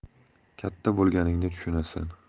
katta bo'lganingda tushunasan